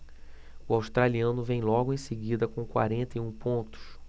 o australiano vem logo em seguida com quarenta e um pontos